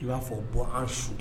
I b'a fɔ bɔ an su